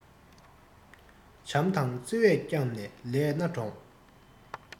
བྱམས དང བརྩེ བས བསྐྱངས ནས ལས སྣ དྲོངས